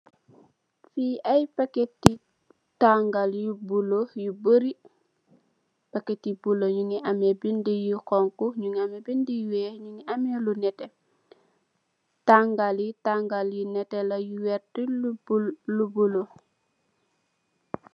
Le ai parket tagal yu bolo yo bari packet yu bolo nyu gi ameh bendi yu honhu binda yu weyh binda yu nete. tangal yi yu nete la yu verter yu bolo.